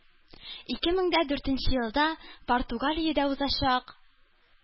Ике мең дә дүртенче елда Португалиядә узачак